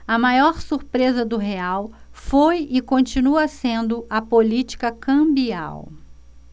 a maior surpresa do real foi e continua sendo a política cambial